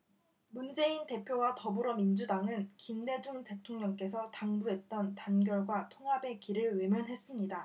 문재인 대표와 더불어민주당은 김대중 대통령께서 당부했던 단결과 통합의 길을 외면했습니다